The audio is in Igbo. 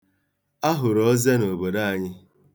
A hụrụ oze n'obodo anyị.